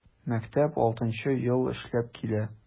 Мәктәп 6 нчы ел эшләп килә.